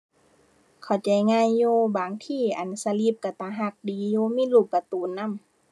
เข้าใจง่ายอยู่ บางที อั่น สลิปก็ตาก็ดีอยู่ มีรูปการ์ตูนนำ